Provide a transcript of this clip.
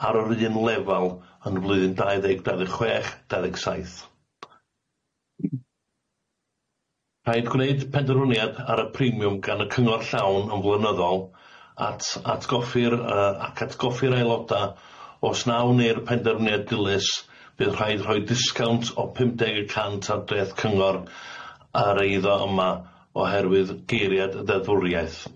ar yr un lefal yn flwyddyn dau ddeg dau ddeg chwech dau ddeg saith. Rhaid gwneud penderfyniad ar y primiwm gan y cyngor llawn yn flynyddol at atgoffir yy ac atgoffir aeloda os nawn ni'r penderfyniad dilys bydd rhaid rhoi discownt o pum deg y cant ar dreth cyngor ar eiddo yma oherwydd geiriad y deddfwriaeth.